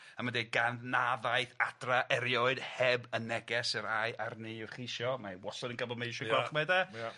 A ma' deud gan na ddaeth adra erioed heb y neges yr ai arni i'w cheisio, mae wastod yn gwbod mae e eisiau Gwalchmai de. Ia.